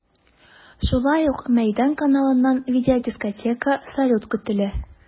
Шулай ук “Мәйдан” каналыннан видеодискотека, салют көтелә.